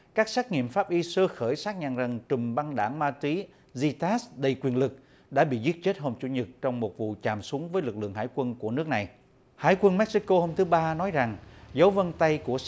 các xét nghiệm pháp y sơ khởi xác nhận rằng trùm băng đảng ma túy di tát đầy quyền lực đã bị giết chết hôm chủ nhật trong một vụ chạm súng với lực lượng hải quân của nước này hải quân méc xi cô hôm thứ ba nói rằng dấu vân tay của